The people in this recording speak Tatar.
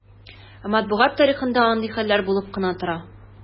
Ә матбугат тарихында андый хәлләр булып кына тора.